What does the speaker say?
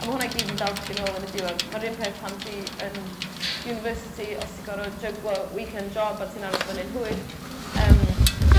a ma' hwnna i gyd yn dal chdi nôl yn y diwedd. Ma'r un peth pan ti yn university os ti gor'o' jyglo weekend job a ti'n aros fyny'n hwyr yym